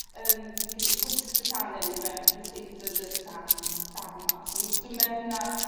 yym fi credu gwisg dy sane yw en- yw teitl y darn darn 'ma. A so ma' fe do' mewn â'r